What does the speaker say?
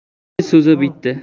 yigit so'zi bitta